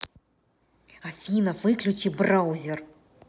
афина выключи браузер